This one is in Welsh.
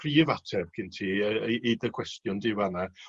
prif ateb gen ti yy i i dy cwestiwn di fan 'na.